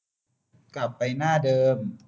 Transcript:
กลับไปหน้าเดิม